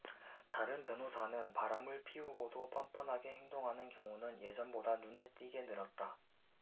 다른 변호사는 바람을 피우고도 뻔뻔하게 행동하는 경우는 예전보다 눈에 띄게 늘었다